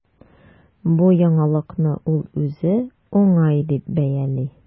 Бу яңалыкны ул үзе уңай дип бәяли.